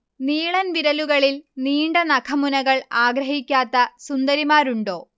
നീളൻ വിരലുകളിൽ നീണ്ട നഖമുനകൾ ആഗ്രഹിക്കാത്ത സുന്ദരിമാരുണ്ടോ